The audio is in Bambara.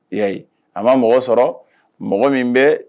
Ya a ma mɔgɔ sɔrɔ mɔgɔ min bɛ